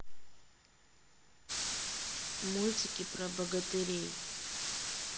мультики про богатырей